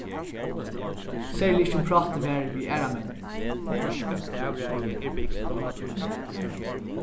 serliga ikki um prátið var við aðrar menn